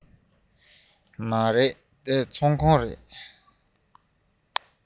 མ རེད འདི ཚོང ཁང རེད